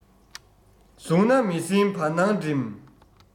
བཟུང ན མི ཟིན བར སྣང འགྲིམ